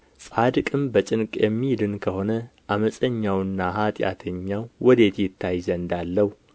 ጻድቅም በጭንቅ የሚድን ከሆነ ዓመፀኛውና ኃጢአተኛው ወዴት ይታይ ዘንድ አለው